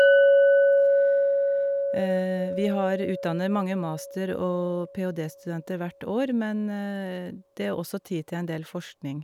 Vi har utdanner mange master- og PhD-studenter hvert år, men det er også tid til en del forskning.